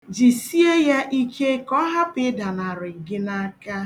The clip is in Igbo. Jisie ya ike ka ọ hapụ ịdanarị gị n'aka